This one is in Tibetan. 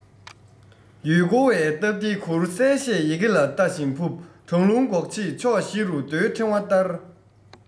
ཡུལ སྐོར བའི སྟབས བདེའི གུར གསལ བཤད ཡི གེ ལ ལྟ བཞིན ཕུབ གྲང རླུང འགོག ཆེད ཕྱོགས བཞི རུ རྡོའི ཕྲེང བ བསྟར